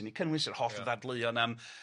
yr holl ddadleuon am